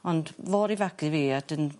Ond fo aru fi a 'dyn